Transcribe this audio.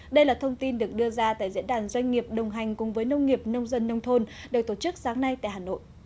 đây là thông tin được đưa ra tại diễn đàn doanh nghiệp đồng hành cùng với nông nghiệp nông dân nông thôn được tổ chức sáng nay tại hà nội